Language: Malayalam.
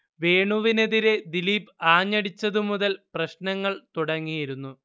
വേണുവിനെതിരെ ദിലീപ് ആഞ്ഞടിച്ചതു മുതൽ പ്രശ്നങ്ങൾ തുടങ്ങിയിരുന്നു